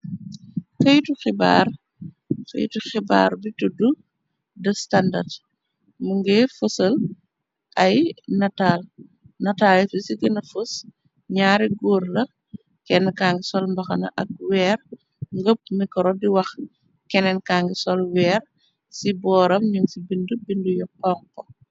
Keytu xibaar bi tudd de standard mu ngir fosal ay nataalitu ci gëna fos ñaari góur la kenn kangi sol mbaxana ak weer ngëpp mikoro di wax kenenkangi sol weer ci booram ñun ci bind bindu yo xonko.